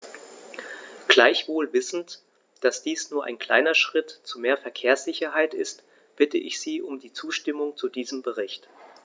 Gleichwohl wissend, dass dies nur ein kleiner Schritt zu mehr Verkehrssicherheit ist, bitte ich Sie um die Zustimmung zu diesem Bericht.